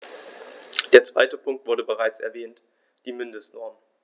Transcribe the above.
Der zweite Punkt wurde bereits erwähnt: die Mindestnormen.